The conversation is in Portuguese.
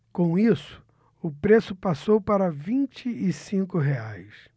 com isso o preço passou para vinte e cinco reais